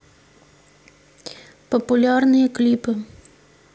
популярные клипы